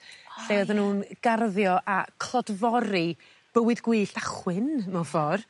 lle odden nw'n garddio a clodfori bywyd gwyllt a chwyn mewn ffor.